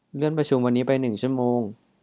เลื่อนประชุมวันนี้ไปหนึ่งชั่วโมง